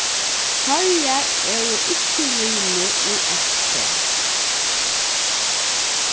føroyar eru ikki limur í st